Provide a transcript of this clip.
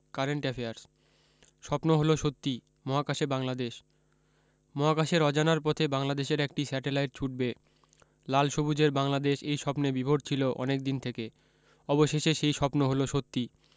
current affairs স্বপ্ন হলো সত্যি মহাকাশে বাংলাদেশ মহাকাশের অজানার পানে বাংলাদেশের একটি স্যাটেলাইট ছুটবে লাল সবুজের বাংলাদেশ এই স্বপ্নে বিভোর ছিল অনেক দিন থেকে অবশেষে সেই স্বপ্ন হলো সত্যি